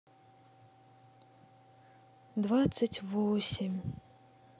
двадцать восемь